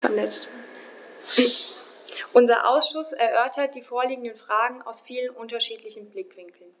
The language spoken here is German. Unser Ausschuss erörtert die vorliegenden Fragen aus vielen unterschiedlichen Blickwinkeln.